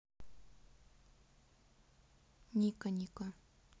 ника ника